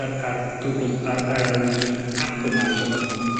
ar ar Google M- ar yym Apple Maps a ma'n